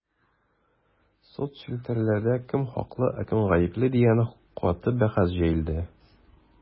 Соцчелтәрләрдә кем хаклы, ә кем гапле дигән каты бәхәс җәелде.